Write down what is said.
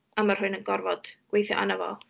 A ma' rhywun yn gorfod gweithio arno fo. Yym.